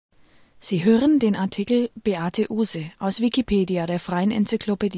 Sie hören den Artikel Beate Uhse, aus Wikipedia, der freien Enzyklopädie